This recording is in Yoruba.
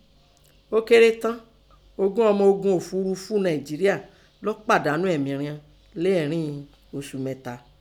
Ọ́ kéré tan ogún ọmọ ogun òfurùfu Nàìnjeríà lọ́ pàdánù emí riọn lẹ́ẹ̀ẹ́rín osù mẹ́ta.